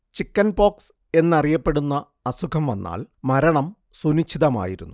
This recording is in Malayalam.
ചിക്കൻപോക്സ് എന്നറിയപ്പെടുന്ന അസുഖം വന്നാൽ മരണം സുനിശ്ചിതമായിരുന്നു